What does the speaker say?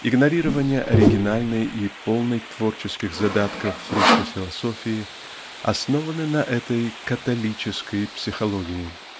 игнорирование оригинальной и полной творческих задатков русской философии основаны на этой "католической" психологии.